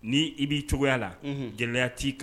Ni i b'i cogoya la gɛlɛya t'i kan